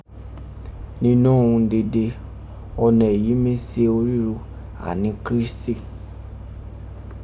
ninọ́ ohun dede, Ọnẹ èyí mi se orígho, ani Kirisiti.